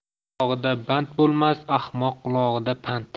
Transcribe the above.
it yalog'ida band bo'lmas ahmoq qulog'ida pand